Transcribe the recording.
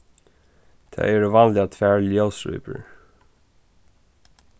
tað eru vanliga tvær ljósrípur